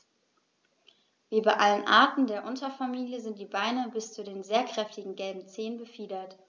Wie bei allen Arten der Unterfamilie sind die Beine bis zu den sehr kräftigen gelben Zehen befiedert.